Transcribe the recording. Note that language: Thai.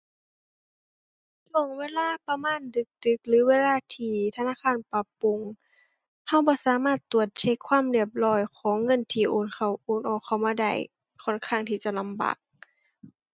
ช่วงเวลาประมาณดึกดึกหรือเวลาที่ธนาคารปรับปรุง เราบ่สามารถตรวจเช็กความเรียบร้อยของเงินที่โอนเข้าโอนออกเข้ามาได้ ค่อนข้างที่จะลำบาก